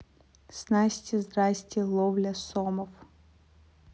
снасти здрасьте ловля сомов